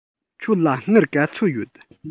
ཁྱོད ལ དངུལ ག ཚོད ཡོད